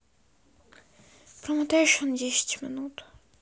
промотай еще на десять минут